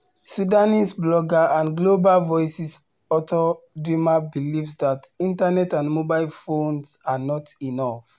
Sudanese blogger and Global Voices author Drima believes that Internet and mobile phones are not enough.